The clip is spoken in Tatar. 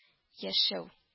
Яшәү